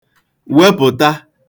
wepụta